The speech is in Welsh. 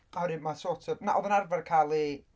Oherwydd mae'n sort of... Ma- Oedd o'n arfer cael ei...